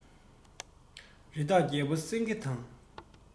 རི དྭགས རྒྱལ པོ སེང གེ དང